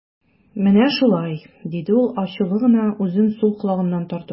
Менә шулай, - диде ул ачулы гына, үзен сул колагыннан тартып.